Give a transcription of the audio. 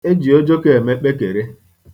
E ji ojoko eme kpekere.